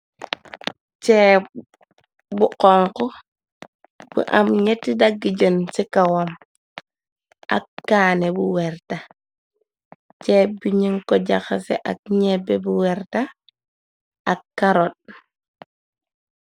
ceeb bu xonko bu am ñetti daggi jën ci kawam ak kaane bu werta jeeb bi nën ko jaxase ak nebbe bu werta ak karot.